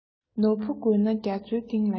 ནོར བུ དགོས ན རྒྱ མཚོའི གཏིང ལ ཡོད